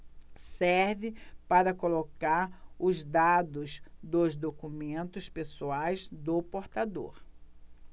serve para colocar os dados dos documentos pessoais do portador